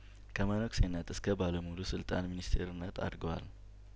ከመነኩሴነት እስከ ባለሙሉ ስልጣን ሚኒስቴርነት አድገዋል